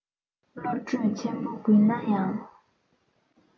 བློ གྲོས ཆེན པོ རྒུད ན ཡང